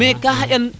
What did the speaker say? mais ka xaƴan